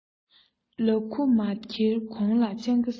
ལུ གུ མ འཁྱེར གོང ལ སྤྱང ཀི སྲུངས